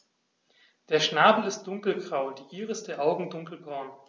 Der Schnabel ist dunkelgrau, die Iris der Augen dunkelbraun.